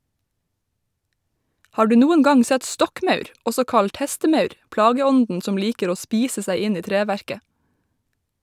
Har du noen gang sett stokkmaur, også kalt hestemaur , plageånden som liker å spise seg inn i treverket?